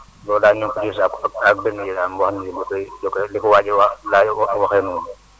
loolu daal énu ngi ko siy sakku ak dënn yi daal bu amee lu koy lu ko waa ji wax laaj waxee noonu